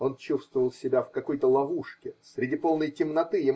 Он чувствовал себя в какой-то ловушке, среди полной темноты